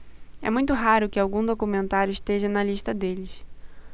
é muito raro que algum documentário esteja na lista deles